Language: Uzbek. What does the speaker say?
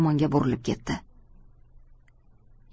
burilib ketdi